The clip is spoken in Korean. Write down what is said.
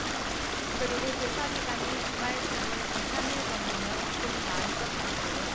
그리고 조사 기간이 주말 끼고 이 삼 일 정도면 좀 나은 것 같고요